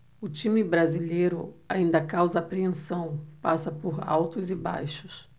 o time brasileiro ainda causa apreensão passa por altos e baixos